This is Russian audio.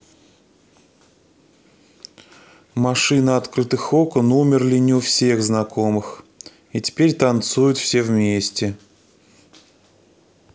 машины открытых окон умерли не у всех знакомых и теперь танцуют все вместе